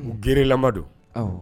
G lamɔ don